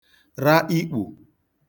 ra ikpù